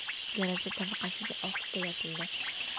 deraza tavaqasi ohista yopildi